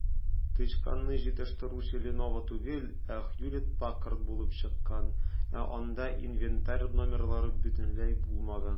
Тычканны җитештерүче "Леново" түгел, ә "Хьюлетт-Паккард" булып чыккан, ә анда инвентарь номерлары бөтенләй булмаган.